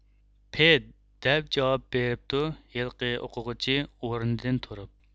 پېد دەپ جاۋاب بېرىپتۇ ھېلىقى ئوقۇغۇچى ئورنىدىن تۇرۇپ